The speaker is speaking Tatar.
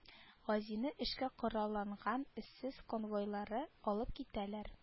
Газины эшкә коралланган эсэс конвойлары алып китәләр